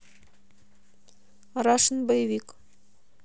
рашн боевик